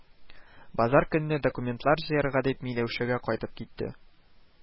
Базар көнне, «документлар» җыярга дип, Миләүшәгә кайтып китте